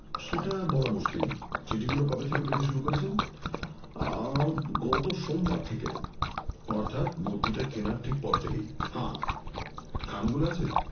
সেটা বলা মুশকিল চিঠিগুলো কবে থেকে পেতে শুরু করেছেন গত সোমবার থেকে অর্থাৎ মূর্তিটা কেনার ঠিক পর থেকেই হ্যাঁ খামগুলো আছে